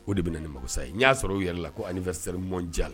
O de bɛ nin mako sa ye n y'a sɔrɔ' yɛrɛ la ko ali fɛ se mɔndiya la